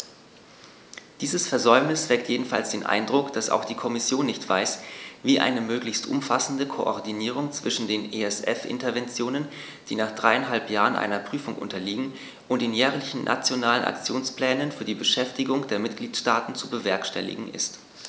Dieses Versäumnis weckt jedenfalls den Eindruck, dass auch die Kommission nicht weiß, wie eine möglichst umfassende Koordinierung zwischen den ESF-Interventionen, die nach dreieinhalb Jahren einer Prüfung unterliegen, und den jährlichen Nationalen Aktionsplänen für die Beschäftigung der Mitgliedstaaten zu bewerkstelligen ist.